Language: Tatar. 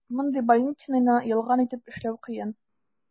Мондый больничныйны ялган итеп эшләү кыен.